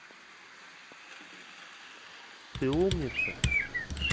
ты умница